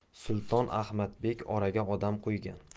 sulton ahmadbek oraga odam qo'ygan